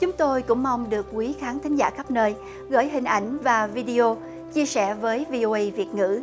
chúng tôi cũng mong được quý khán thính giả khắp nơi gửi hình ảnh và vi đê ô chia sẻ với vê ô ây việt ngữ